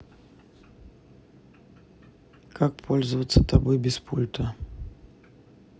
как пользоваться тобой без пульта